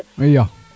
iyo